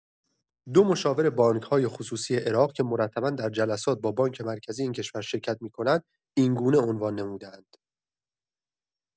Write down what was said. دو مشاور بانک‌های خصوصی عراق که مرتبا در جلسات با بانک مرکزی این کشور شرکت می‌کنند، اینگونه عنوان نموده‌اند.